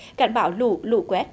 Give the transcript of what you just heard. cảnh báo lũ lũ quét